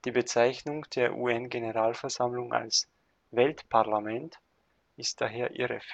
Bezeichnung der UN-Generalversammlung als „ Weltparlament “ist daher irreführend